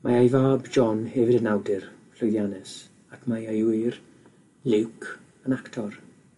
Mae ei fab, John, hefyd yn awdur llwyddiannus, ac mae ei ŵyr Luke yn actor.